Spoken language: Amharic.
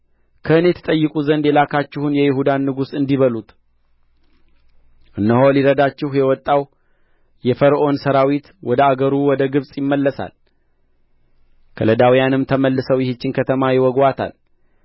ከእኔ ትጠይቁ ዘንድ የላካችሁን የይሁዳን ንጉሥ እንዲህ በሉት እነሆ ሊረዳችሁ የወጣው የፈርዖን ሠራዊት ወደ አገሩ ወደ ግብጽ ይመለሳል ከለዳውያንም ተመልሰው ይህችን ከተማ ይዋጉአታል